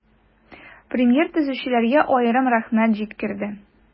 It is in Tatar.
Премьер төзүчеләргә аерым рәхмәт җиткерде.